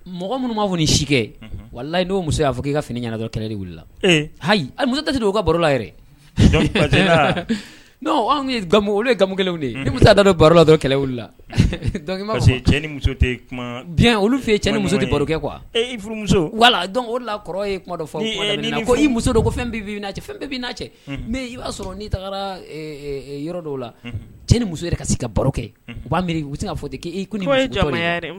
Mɔgɔ minnu b'a fɔ ni si kɛ wala' muso y'a fɔ' i ka fini ɲɛnatɔ kɛlɛ de wili la ayi ali muso tɛ' ka barola yɛrɛ anw olu yew ye i bɛ taa don baro la dɔn kɛlɛ wili laki bi olu fɛ cɛ ni muso de baro kɛ kuwa wala dɔn o la kɔrɔ ye kuma dɔ fɔ muso ko fɛn bɛ cɛ fɛn bɛ' cɛ i b'a sɔrɔ n'i taara yɔrɔ dɔw la cɛn ni muso ka se ka baro kɛ u b'a miiri u bɛ se ka fɔ ten k'